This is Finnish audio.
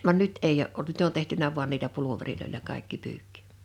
vaan nyt ei ole ollut nyt on tehty vain niillä pulvereilla kaikki pyykki